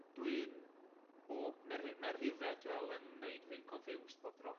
Dwi'n bob… ma'r rhi- ma'r rhife, t'wel, yn neud fi'n confused bob tro.